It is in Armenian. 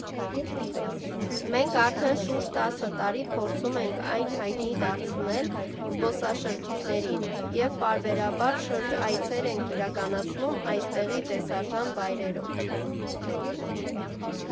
Մենք արդեն շուրջ տասը տարի փորձում ենք այն հայտնի դարձնել զբոսաշրջիկներին և պարբերաբար շրջայցեր ենք իրականացնում այստեղի տեսարժան վայրերով։